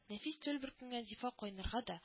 Нәфис тюль бөркенгән зифа каеннарга да